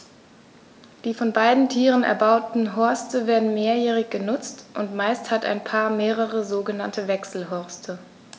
Die von beiden Tieren erbauten Horste werden mehrjährig benutzt, und meist hat ein Paar mehrere sogenannte Wechselhorste.